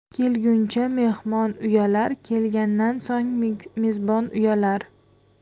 kelguncha mehmon uyalar kelgandan so'ng mezbon uyalar